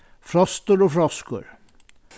frostur og froskur